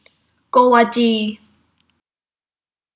โกวาจี